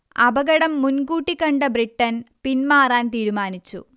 അപകടം മുൻകൂട്ടി കണ്ട ബ്രിട്ടൻ പിന്മാറാൻ തീരുമാനിച്ചു